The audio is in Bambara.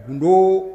Ndo